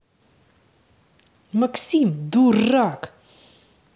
максим дурак